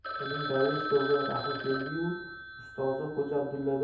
uning darvesh govga rahmi keldi yu ustozi xo'ja